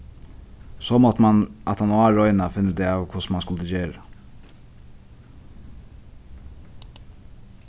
so mátti mann aftaná royna at finna út av hvussu mann skuldi gera